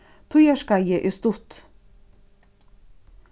tíðarskeiðið er stutt